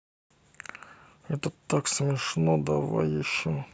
это так смешно давай еще